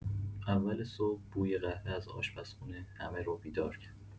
اول صبح بوی قهوه از آشپزخونه همه رو بیدار کرد.